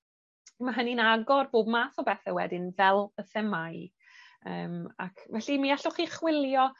Ma' hynny'n agor bob math o bethe wedyn fel y themâu. Yym ac felly mi allwch chi chwilio